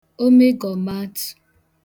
omegọ̀m̀madtụ̀